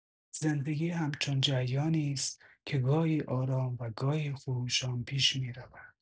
زندگی همچون جریانی است که گاهی آرام و گاهی خروشان پیش می‌رود.